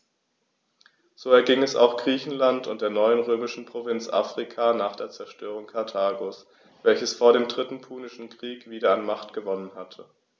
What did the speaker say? So erging es auch Griechenland und der neuen römischen Provinz Afrika nach der Zerstörung Karthagos, welches vor dem Dritten Punischen Krieg wieder an Macht gewonnen hatte.